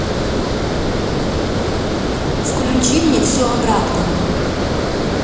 включи мне все обратно